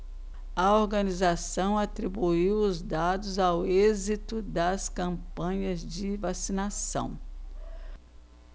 a organização atribuiu os dados ao êxito das campanhas de vacinação